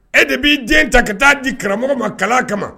E de b'i den ta ka taa di karamɔgɔ ma kala kama